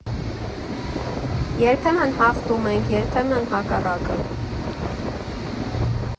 Երբեմն հաղթում ենք, երբեմն՝ հակառակը։